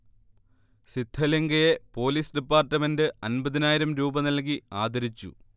സിദ്ധലിങ്കയെ police department അൻപതിനായിരം രൂപ നൽകി ആദരിച്ചു